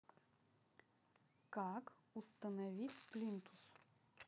как установить плинтус